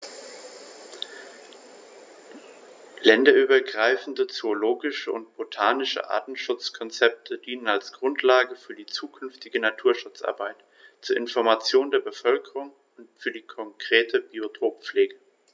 Länderübergreifende zoologische und botanische Artenschutzkonzepte dienen als Grundlage für die zukünftige Naturschutzarbeit, zur Information der Bevölkerung und für die konkrete Biotoppflege.